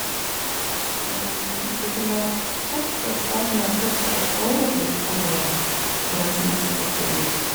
Det kan være v kjekt å starte med å få seg et overblikk over hvordan semesteret ser ut.